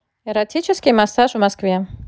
эротический массаж в москве